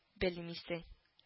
Белмисең